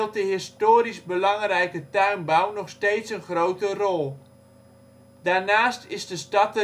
de historisch belangrijke tuinbouw nog steeds een grote rol. Daarnaast is de stad